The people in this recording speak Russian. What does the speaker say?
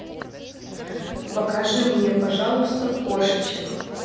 покажи мне пожалуйста кошечек